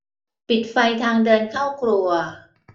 ปิดไฟทางเดินเข้าครัว